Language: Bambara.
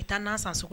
Taa nan san sug